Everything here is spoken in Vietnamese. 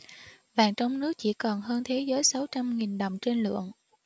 vàng trong nước chỉ còn hơn thế giới sáu trăm nghìn đồng trên lượng